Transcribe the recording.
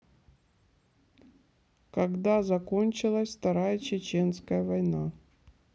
когда закончилась вторая чеченская война